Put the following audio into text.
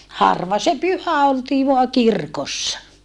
harva se pyhä oltiin vain kirkossa